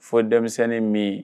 Fo denmisɛnnin min